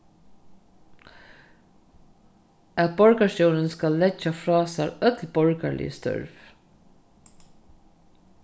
at borgarstjórin skal leggja frá sær øll borgarlig størv